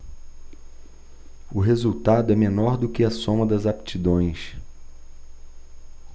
o resultado é menor do que a soma das aptidões